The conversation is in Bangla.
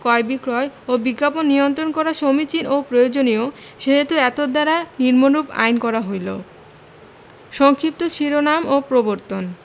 ক্রয় বিক্রয় ও বিজ্ঞাপন নিয়ন্ত্রণ করা সমীচীন ও প্রয়োজনীয় সেহেতু এতদ্বারা নিম্নরূপ আইন করা হইল ১ সংক্ষিপ্ত শিরোনাম ও প্রবর্তন